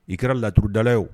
I kɛra laturudala ye